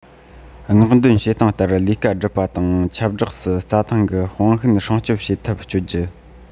སྔོག འདོན བྱེད སྟངས ལྟར ལས ཀ སྒྲུབ པ དང ཆབས སྦྲགས སུ རྩྭ ཐང གི སྤང ཤུན སྲུང སྐྱོང བྱེད ཐབས སྤྱོད རྒྱུ